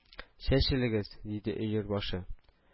— чәчелегез! — диде өер башы